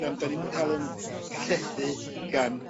ia on' 'dan ni'm yn ca'l 'yn llethu gan